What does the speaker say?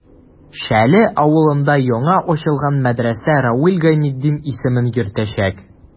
Шәле авылында яңа ачылган мәдрәсә Равил Гайнетдин исемен йөртәчәк.